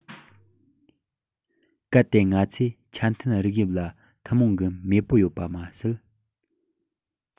གལ ཏེ ང ཚོས ཆ མཐུན རིགས དབྱིབས ལ ཐུན མོང གི མེས པོ ཡོད པ མ ཟད